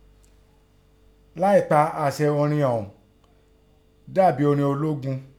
Láì pa àṣẹ orin ọ̀ún dàbí orin ológun.